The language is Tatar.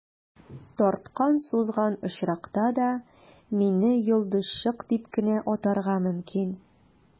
Тарткан-сузган очракта да, мине «йолдызчык» дип кенә атарга мөмкин.